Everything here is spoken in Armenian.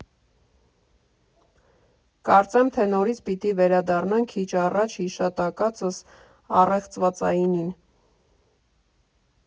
֊ Կարծեմ թե նորից պիտի վերադառնանք քիչ առաջ հիշատակածս առեղծվածայինին։